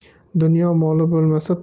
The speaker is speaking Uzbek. dunyo moli bo'lmasa